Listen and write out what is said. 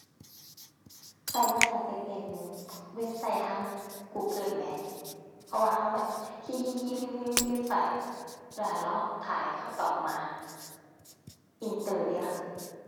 ฉันว่าน่าสิเป็นเว็บไซต์ทาง Google แหม เพราะว่าเราแบบคีย์ คีย์ คีย์ พิมพ์ พิมพ์ พิมพ์ไป แล้วเราท่าให้เขาตอบมา อินเตอร์เดะล่ะ